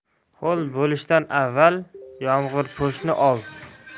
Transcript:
ho'l bo'lishdan avval yomg'irpo'shni ol